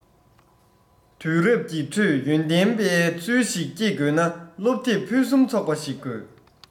དུས རབས ཀྱི ཁྲོད ཡོན ཏན པའི ཚུལ ཞིག སྐྱེད དགོས ན སློབ དེབ ཕུན སུམ ཚོགས པ ཞིག དགོས